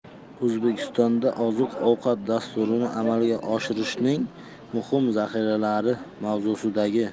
o'zbekistonda oziq ovqat dasturini amalga oshirishning muhim zaxiralari mavzusidagi